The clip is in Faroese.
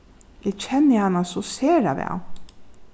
eg kenni hana so sera væl